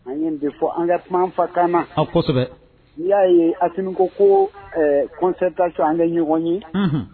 An ye n bɛ fɔ an ka kuma an fa kan na, kosɛbɛ n'i y'a ye Asimi ko ɛ concertation an ka ɲɔgɔn ye, unhun.